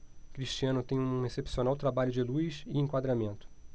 cristiano tem um excepcional trabalho de luz e enquadramento